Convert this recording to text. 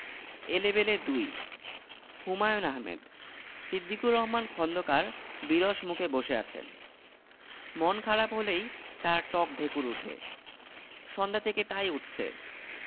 দলের প্রধান দু'হাজার টাকা হাতে পেয়ে চেঁচিয়ে ওঠল সিদ্দিকুর রহমান খোন্দকার বাকি সবাই এক সঙ্গে চল দূর হবে অন্ধকার এইসব শুনতে ভাল লাগে